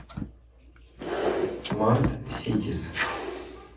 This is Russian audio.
смарт ситис